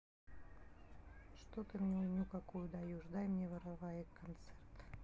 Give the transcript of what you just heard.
что ты мне хуйню какую даешь дай мне вороваек концерт